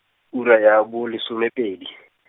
ura ya bolesomepedi.